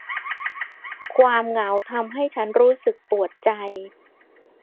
ความเหงาทำให้ฉันรู้สึกปวดใจ